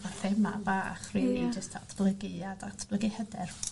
...ma' thema bach rili... Ie. ...jyst datblygu a datblygu hyder...